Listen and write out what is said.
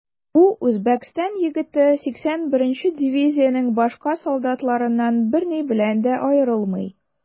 Бу Үзбәкстан егете 81 нче дивизиянең башка солдатларыннан берни белән дә аерылмый.